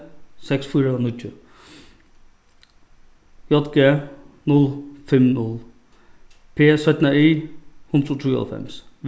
seks fýra níggju j g null fimm null p y hundrað og trýoghálvfems